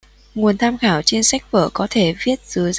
nguồn tham khảo trên sách vở có thể viết dưới